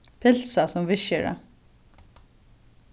pylsa sum viðskera